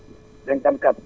cinquante